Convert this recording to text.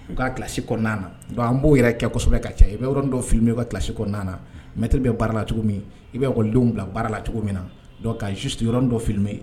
U ka kilasi kɔnɔna na an b'o yɛrɛ kosɛbɛ ka ca i bɛ yɔrɔɔrɔn dɔn fili ye u ka kilasi kɔnɔna na mɛtiri bɛ baara la cogo min i'akɔ len bila baara la cogo min na kasu yɔrɔɔrɔn dɔ fili ye